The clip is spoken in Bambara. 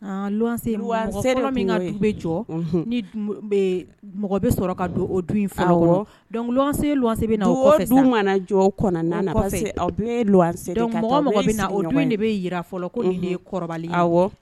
min u bɛ jɔ ni mɔgɔ bɛ sɔrɔ ka don o dunfa jɔ mɔgɔ de bɛ jira ko